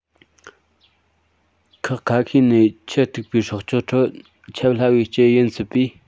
ཁག ཁ ཤས ནས ཁྱུ སྟུག པའི སྲོག ཆགས ཁྲོད ཁྱབ སླ བའི རྐྱེན ཡིན སྲིད པས